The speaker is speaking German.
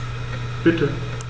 Bitte.